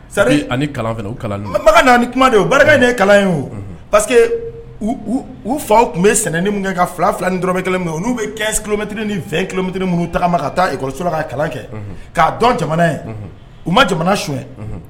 Sari ani kalanfɛ o kalan makan kuma ye o barika ye kalan ye o parce que u faw tun bɛ sɛnɛ min kɛ ka fila fila ni dɔrɔnmɛ kelen min n'u bɛ kɛ kilomɛtini ni fɛ kilotini minnu ta ma ka taa kɔrɔsola ka kalan kɛ k'a dɔn jamana ye u ma jamana su